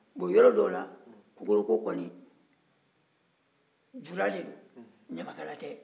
yɔrɔdɔw la kokorokow kɔni jula de don ɲamakala tɛ